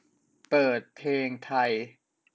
เปิดเพลงไทย